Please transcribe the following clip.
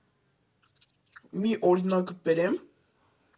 Մի օրինակ բերեմ.